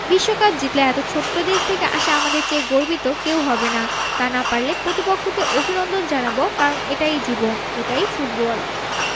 বিশ্বকাপ জিতলে এত ছোট্ট দেশ থেকে আসা আমাদের চেয়ে গর্বিত কেউ হবে না তা না পারলে প্রতিপক্ষকে অভিনন্দন জানাব কারণ এটাই জীবন এটাই ফুটবল